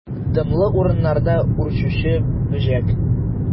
Дымлы урыннарда үрчүче бөҗәк.